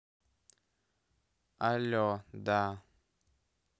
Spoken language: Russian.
аледа